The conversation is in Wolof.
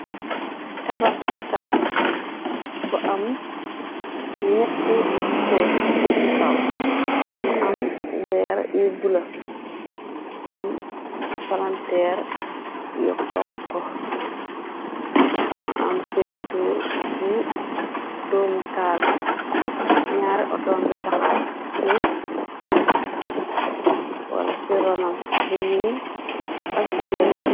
Tabaxu etaas bu am ñetti kos ci kaw. Mu am weera yu bula am palanteer yu xonko. Mu am pentur bu doomu taal. Naari atongi taxaw ci suuf wala ci ronam bu ñuur ak bu weex.